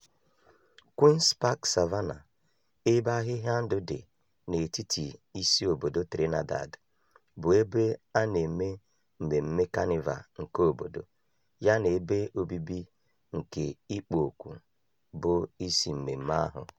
Queen's Park Savannah, ebe ahịhịa ndụ dị n'etiti isi obodo Trinidad, bụ ebe a na-eme mmemme Kanịva nke obodo yana ebe obibi nke ikpo okwu bụ isi mmemme ahụ.